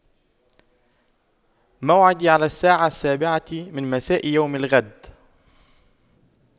موعدي على الساعة السابعة من مساء يوم الغد